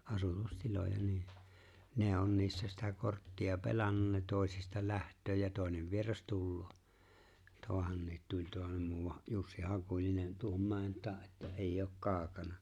asutustiloja niin ne on niissä sitä korttia pelannut ne toisista lähtee ja toinen vieras tulee tuohonkin tulee tuohon muuan Jussi Hakulinen tuohon mäen taakse että ei ole kaukana